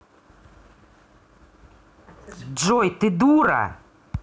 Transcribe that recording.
джой ты дура